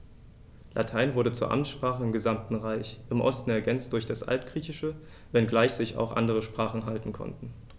Latein wurde zur Amtssprache im gesamten Reich (im Osten ergänzt durch das Altgriechische), wenngleich sich auch andere Sprachen halten konnten.